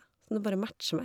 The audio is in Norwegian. Som du bare matcher med.